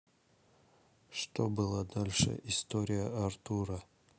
что было дальше история артура